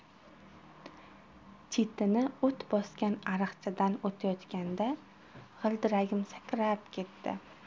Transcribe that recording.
chetini o't bosgan ariqchadan o'tayotganda g'ildiragim sakrab ketdi